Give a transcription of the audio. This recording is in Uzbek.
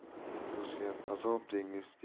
o'ziyam azob dengiz